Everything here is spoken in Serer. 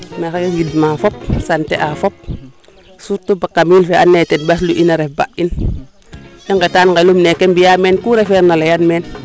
maxey gidma fop sant a fop surtout baab Kamil fe ando naye ten mbaslu in a ref ba in i ngeta ngelum neeke mbiya meen ku refeer na mbiyan meen